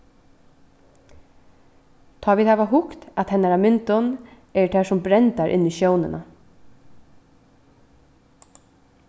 tá ið vit hava hugt at hennara myndum eru tær sum brendar inn í sjónina